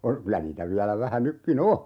- kyllä niitä vielä vähän nytkin on